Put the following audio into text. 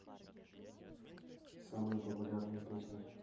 самые популярные песни